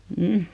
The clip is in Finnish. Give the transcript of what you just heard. mm